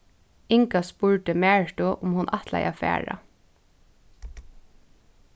inga spurdi maritu um hon ætlaði at fara